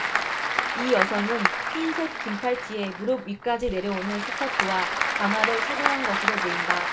이 여성은 흰색 긴팔 티에 무릎 위까지 내려오는 스커트와 단화를 착용한 것으로 보인다